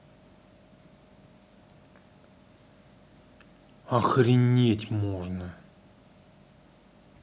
охренеть можно